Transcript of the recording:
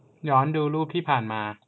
ย้อนดูรูปที่ผ่านมา